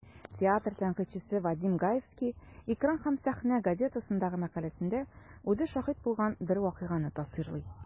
Театр тәнкыйтьчесе Вадим Гаевский "Экран һәм сәхнә" газетасындагы мәкаләсендә үзе шаһит булган бер вакыйганы тасвирлый.